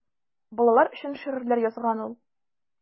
Балалар өчен шигырьләр язган ул.